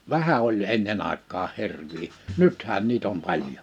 vähän oli ennen aikaan hirviä nythän niitä on paljon